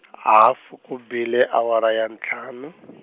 hafu ku bile awara ya ntlhanu.